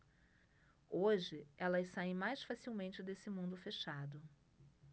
hoje elas saem mais facilmente desse mundo fechado